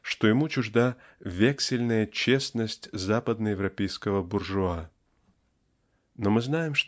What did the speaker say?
что ему чужда "вексельная честность" западноевропейского буржуа. Но мы знаем